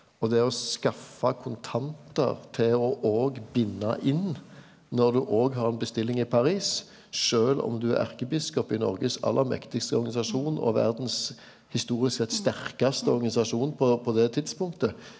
og det å skaffa kontantar til å òg binda inn når du òg har ein bestilling i Paris sjølv om du er erkebiskop i Noregs aller mektigaste organisasjon og verdas historisk sett sterkaste organisasjon på på det tidspunktet,